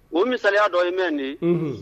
O misaliya dɔ ye mɛn de ye